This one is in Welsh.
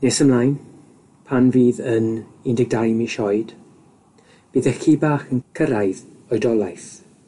Nes ymlaen, pan fydd yn un deg dau mis oed, bydd eich ci bach yn cyrraedd oedolaeth.